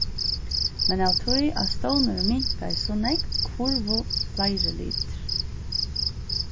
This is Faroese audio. men av tí at stovnurin minkaði so nógv hvurvu fleiri litir